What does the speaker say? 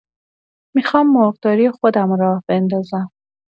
می‌خوام مرغداری خودمو راه بندازم.